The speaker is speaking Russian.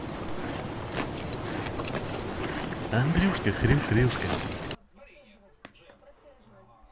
андрюшка хрю хрюшка